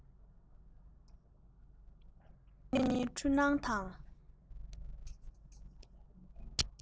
ད བཟོད ཁྱོད ཉིད འཁྲུལ སྣང དང